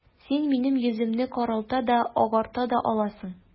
Син минем йөземне каралта да, агарта да аласың...